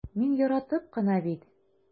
Мин яратып кына бит...